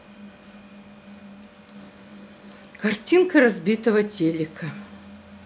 картинка разбитого телека